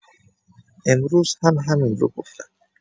امروز هم همین رو گفتم.